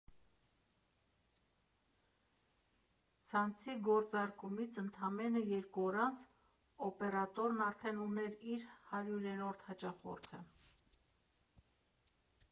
Ցանցի գործարկումից ընդամենը երկու օր անց օպերատորն արդեն ուներ իր հարյուրերորդ հաճախորդը։